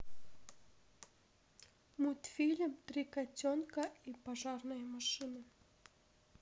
мультфильм три котенка и пожарная машина